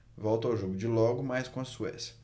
volto ao jogo de logo mais com a suécia